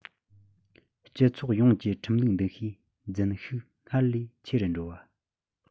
སྤྱི ཚོགས ཡོངས ཀྱི ཁྲིམས ལུགས འདུ ཤེས འཛིན ཤུགས སྔར ལས ཆེ རུ འགྲོ བ